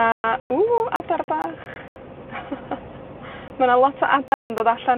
A, ww, adar bach. Ma' 'na lot o adar yn dod allan